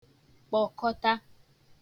kpọ̀kọta